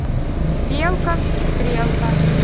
белка стрелка